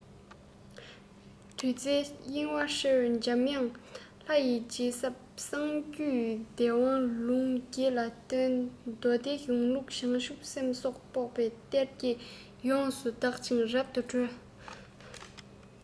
འདུ འཛིའི གཡེང བ ཧྲིལ འཇམ དབྱངས ལྷ ཡིས རྗེས ཟབ གསང རྒྱུད སྡེའི དབང ལུང རྒྱལ བསྟན མདོ སྡེའི གཞུང ལུགས བྱང ཆུབ སེམས སོགས སྤོབས པའི གཏེར བརྒྱད ཡོངས སུ དག ཅིང རབ ཏུ གྲོལ